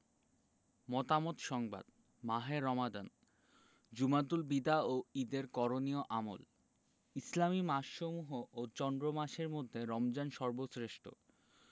মতামত সংবাদ মাহে রমাদান জুমাতুল বিদা ও ঈদের করণীয় আমল ইসলামি মাসসমূহ ও চন্দ্রমাসের মধ্যে রমজান সর্বশ্রেষ্ঠ